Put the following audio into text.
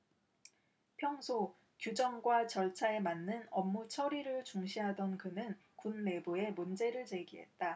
평소 규정과 절차에 맞는 업무 처리를 중시하던 그는 군 내부에 문제를 제기했다